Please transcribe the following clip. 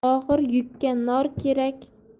og'ir yukka nor kerak